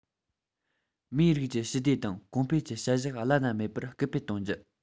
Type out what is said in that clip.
མིའི རིགས ཀྱི ཞི བདེ དང གོང སྤེལ གྱི བྱ གཞག བླ ན མེད པར སྐུལ སྤེལ གཏོང རྒྱུ